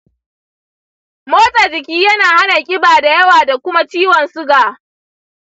motsa jiki yana hana ƙiba da yawa da kuma ciwon suga.